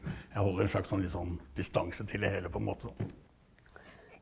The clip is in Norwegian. jeg holder en slag sånn litt sånn distanse til det hele på en måte da.